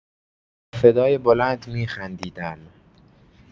با صدای بلند می‌خندیدم.